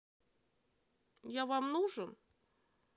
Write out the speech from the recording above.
я вам нужен